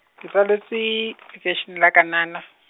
ke tswaletswe, lekeshen la Kanana.